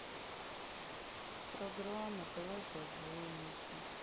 программа давай поженимся